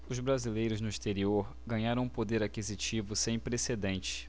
os brasileiros no exterior ganharam um poder aquisitivo sem precedentes